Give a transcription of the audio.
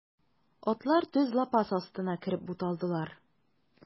Атлар төз лапас астына кереп буталдылар.